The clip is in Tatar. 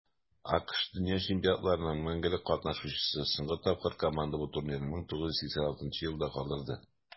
АКШ - дөнья чемпионатларының мәңгелек катнашучысы; соңгы тапкыр команда бу турнирны 1986 елда калдырды.